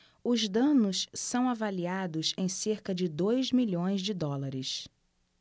os danos são avaliados em cerca de dois milhões de dólares